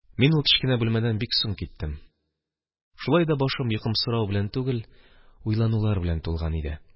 Мин ул кечкенә бүлмәдән бик соң киттем, шулай да башым йокымсырау белән түгел, уйланулар белән тулган иде